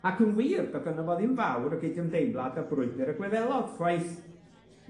Ac yn wir, do'dd gynno fo ddim fawr o gydymdeimlad â brwydyr y Gwyddelod, chwaith.